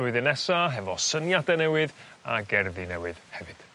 flwyddyn nesa hefo syniade newydd a gerddi newydd hefyd.